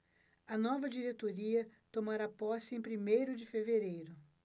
a nova diretoria tomará posse em primeiro de fevereiro